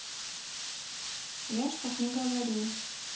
я ж так не говорю